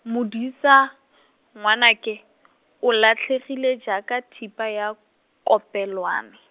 Modisa, ngwanake, o latlhegile jaaka thipa ya kopelwane.